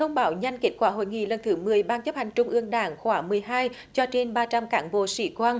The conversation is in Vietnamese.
thông báo nhanh kết quả hội nghị lần thứ mười ban chấp hành trung ương đảng khóa mười hai cho trên ba trăm cán bộ sĩ quan